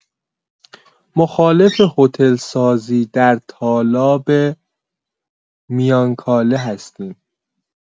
مخالف هتل‌سازی در تالاب میانکاله هستیم.